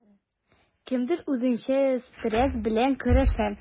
Кемдер үзенчә стресс белән көрәшә.